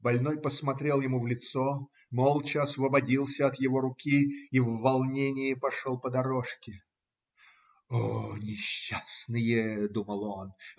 Больной посмотрел ему в лицо, молча освободился от его руки и в волнении пошел по дорожке. "О несчастные! - думал он.